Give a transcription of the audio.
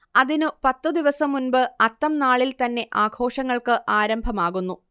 അതിനു പത്തു ദിവസം മുൻപ് അത്തം നാളിൽ തന്നെ ആഘോഷങ്ങൾക്ക് ആരംഭമാകുന്നു